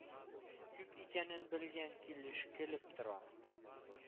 Күп икәнен белгән килеш көлеп торам.